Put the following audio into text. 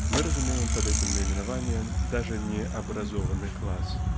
Мы разумеем под этим наименованием даже не "образованный класс".